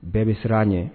Bɛɛ bɛ siran an n ye